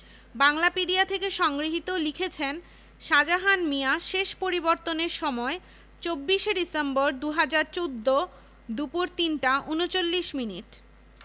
সাবিপ্রবি বাংলাদেশে প্রথম বারের মতো স্নাতক এবং স্নাতকোত্তর পর্যায়ে সমন্বিত সিস্টেম চালু করে এটি ১৯৯৬ ৯৭ সাল থেকে দেশের প্রথম সেমিস্টার সিস্টেমে শিক্ষা কার্যক্রম চালু করেছে